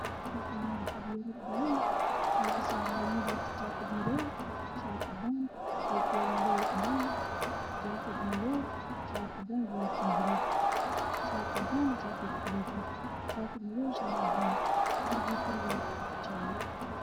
Waa meel hool waxaa fadhiya niman waxa ay qabaan suudad madow ah